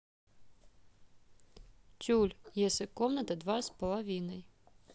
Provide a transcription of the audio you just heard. тюль если комната два с половиной